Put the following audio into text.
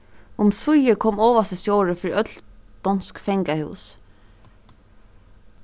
umsíðir kom ovasti stjóri fyri øll donsk fangahús